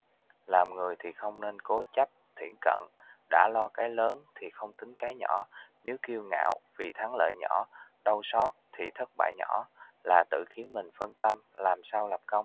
làm người thì không nên cố chấp thiển cận đã lo cái lớn thì không tính cái nhỏ nếu kiêu ngạo vì thắng lợi nhỏ đau xót thì thất bại nhỏ là tự khiến mình phân tâm làm sao lập công